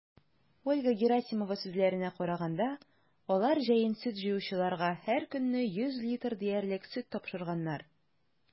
Ольга Герасимова сүзләренә караганда, алар җәен сөт җыючыларга һәркөнне 100 литр диярлек сөт тапшырганнар.